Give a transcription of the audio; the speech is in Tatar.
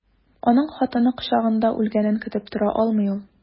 Аның хатыны кочагында үлгәнен көтеп тора алмый ул.